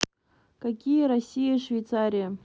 какие россия швейцария